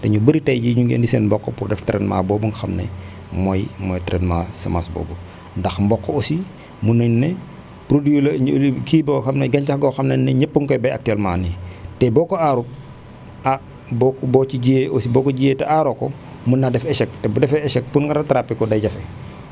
te ñu bëri tey jii ñu ngi indi seen mboq pour def traitement boobu nga xam ne mooy mooy traitement semence boobu ndax mboqu aussi mun nañu ne produit la ñu kii boo xam ne gàncax goo xam ne nit ñëpp a ngi koy bay actuellement nii te boo ko aarul ah boo ko boo ci jiyee aussi boo ko jiyee te aaroo ko mën naa def échec te bu defee échec pour nga rattrapé ko day jafe